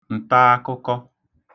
ǹtaakụkọ